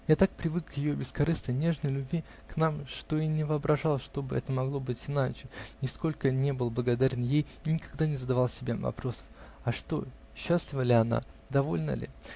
Я так привык к ее бескорыстной, нежной любви к нам, что и не воображал, чтобы это могло быть иначе, нисколько не был благодарен ей и никогда не задавал себе вопросов: а что, счастлива ли она? довольна ли?